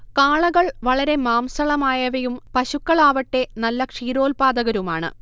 കാളകൾ വളരെ മാംസളമായവയും പശുക്കളാവട്ടെ നല്ല ക്ഷീരോത്പാദകരുമാണ്